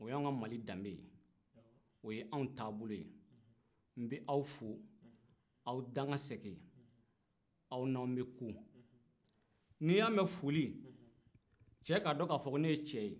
o y'an ka mali danbɛ ye o y'an taabolo ye n bɛ aw fo aw dankasegin aw n'anw bɛ ku n'i y'a mɛn foli cɛ k'a don k'a fɔ ne ye cɛ ye